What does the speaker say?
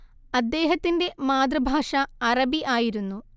അദ്ദേഹത്തിന്റെ മാതൃഭാഷ അറബി ആയിരുന്നു